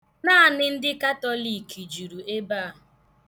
Naanị ndị katọliiki juru ebe a.